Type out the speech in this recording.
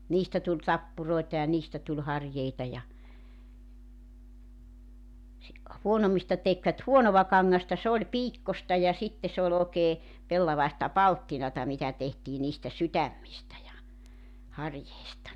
niistä tuli tappuroita ja niistä tuli harjeita ja - huonommista tekivät huonoa kangasta se oli piikkoista ja sitten se oli oikein pellavaista palttinaa mitä tehtiin niistä sydämistä ja harjeista